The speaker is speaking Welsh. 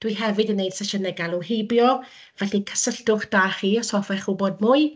dwi hefyd yn wneud sesiynau galw heibio, felly cysylltwch da chi os hoffech wybod mwy.